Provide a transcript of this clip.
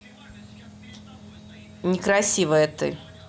некрасивая ты